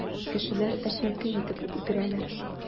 Кешеләр әшәке итеп үтерәләр.